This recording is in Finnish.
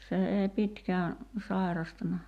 se ei pitkään sairastanut